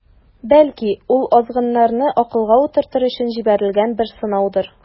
Бәлки, ул азгыннарны акылга утыртыр өчен җибәрелгән бер сынаудыр.